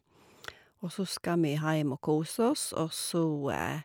Og så skal vi heim og kose oss, og så...